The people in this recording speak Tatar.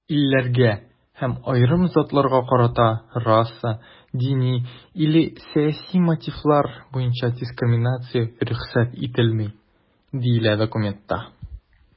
"илләргә һәм аерым затларга карата раса, дини яки сәяси мотивлар буенча дискриминация рөхсәт ителми", - диелә документта.